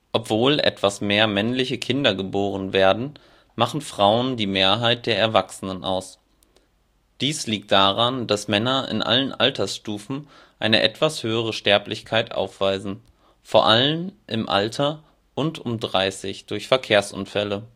Obwohl etwas mehr männliche Kinder geboren werden (das Verhältnis liegt bei ungefähr einem Mädchen zu 1,05 Jungen), machen Frauen die Mehrheit der Erwachsenen aus. Dies liegt daran, dass Männer in allen Altersstufen eine etwas höhere Sterblichkeit aufweisen – v. a. im Alter und um 30 Jahre durch Verkehrsunfälle